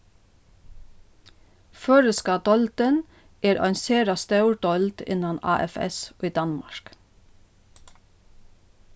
føroyska deildin er ein sera stór deild innan afs í danmark